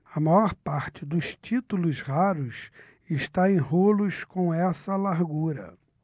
a maior parte dos títulos raros está em rolos com essa largura